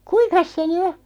kuinkas se nyt on